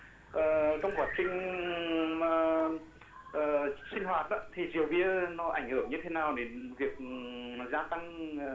ờ trong quá trình mà ờ sinh hoạt á thì rượu bia nó ảnh hưởng như thế nào đến việc gia tăng